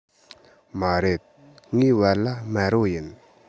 མ རེད ངའི བལ ལྭ དམར པོ ཡིན